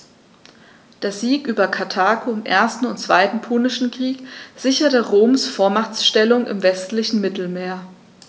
Der Sieg über Karthago im 1. und 2. Punischen Krieg sicherte Roms Vormachtstellung im westlichen Mittelmeer.